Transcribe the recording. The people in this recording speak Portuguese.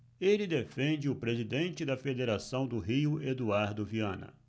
ele defende o presidente da federação do rio eduardo viana